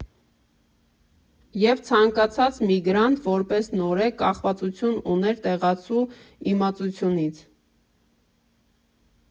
Եվ ցանկացած միգրանտ որպես նորեկ կախվածություն ուներ տեղացու իմացությունից։